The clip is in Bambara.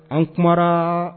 An kuma